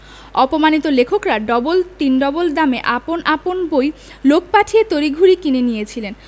অপমানিত লেখকরা ডবল তিন ডবল দামে আপন আপন বই লোক পাঠিয়ে তড়িঘড়ি কিনে নিয়েছিলেন